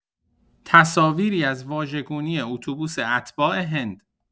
تصاویری از واژگونی اتوبوس اتباع هند